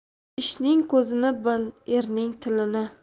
ishning ko'zini bil erning tilini